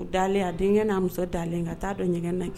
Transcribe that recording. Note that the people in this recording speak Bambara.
U dalen a denkɛgɛn n'a muso dalenlen ka taa'a dɔn ɲɛgɛn na kɛ